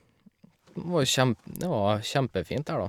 var jo kjem det var kjempefint der, da.